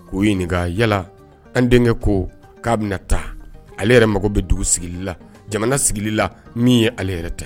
Ko ɲininka yala an denkɛ ko ka bi na taa. Ale yɛrɛ mago bɛ dugu sigi la jamana sigi la min ye ale yɛrɛ tɛ